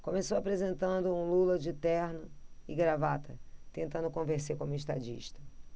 começou apresentando um lula de terno e gravata tentando convencer como estadista